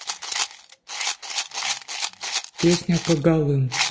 песня когалым